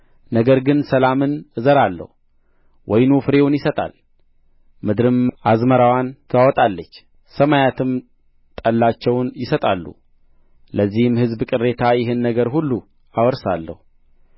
ነገር ግን ሰላምን እዘራለሁ ወይኑ ፍሬውን ይሰጣል ምድርም አዝመራዋን ታወጣለች ሰማያትም ጠላቸውን ይሰጣሉ ለዚህም ሕዝብ ቅሬታ ይህን ነገር ሁሉ አወርሳለሁ